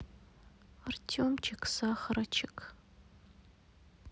артемчик сахарочек